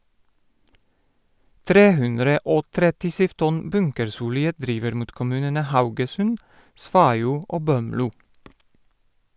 337 tonn bunkersolje driver mot kommunene Haugesund, Sveio og Bømlo.